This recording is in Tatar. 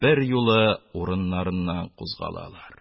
Бер юлы урыннарыннан кузгалалар.